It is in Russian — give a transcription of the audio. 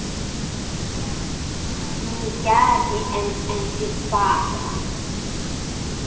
miyagi and антипатра